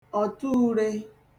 ọ̀tụure